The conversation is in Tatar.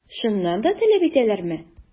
Чыннан да таләп итәләрме?